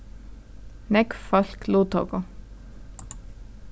nógv fólk luttóku